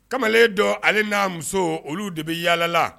Kamalen dɔ ali n'a muso olu de bɛ yaalala